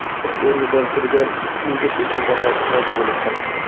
cho'chib o'rnidan turgan ikki yigit o'sha zahoti tosh bo'lib qotdi